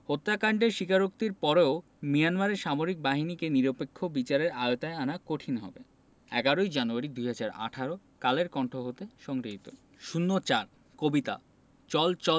কূটনৈতিক সূত্রগুলো বলছে হত্যাকাণ্ডের স্বীকারোক্তির পরও মিয়ানমারের সামরিক বাহিনীকে নিরপেক্ষ বিচারের আওতায় আনা কঠিন হবে ১১ জানুয়ারি ২০১৮ কালের কন্ঠ হতে সংগৃহীত